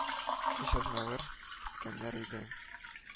Өч әзмәвер киткәннәр иде